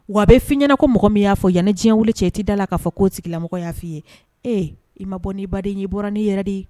Wa bi fi ɲɛna ko mɔgɔ min ya fɔ ya ni diɲɛ wili cɛ i ti da la ka fɔ ko tigilamɔgɔ ya fi ye . Ee i ma bɔ ni baden ye, i bɔra ni yɛrɛ de ye.